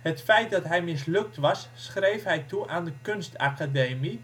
Het feit dat hij mislukt was schreef hij toe aan de kunstacademie